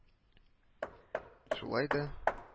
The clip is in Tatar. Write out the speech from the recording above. — шулай да